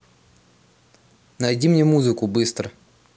найди мне музыку быстро